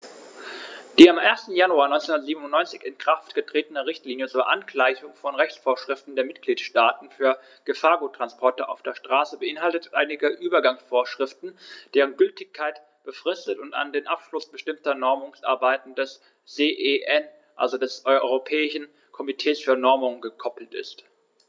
Die am 1. Januar 1997 in Kraft getretene Richtlinie zur Angleichung von Rechtsvorschriften der Mitgliedstaaten für Gefahrguttransporte auf der Straße beinhaltet einige Übergangsvorschriften, deren Gültigkeit befristet und an den Abschluss bestimmter Normungsarbeiten des CEN, also des Europäischen Komitees für Normung, gekoppelt ist.